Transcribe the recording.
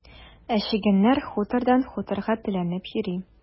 Ә чегәннәр хутордан хуторга теләнеп йөри.